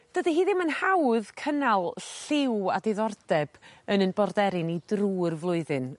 Dydi hi ddim yn hawdd cynnal lliw a diddordeb yn 'yn borderi ni drw'r flwyddyn.